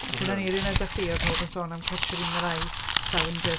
Pryd o'n i yr un oed â chdi roedd pawb yn sôn am Catcher in the Rye Sallinger.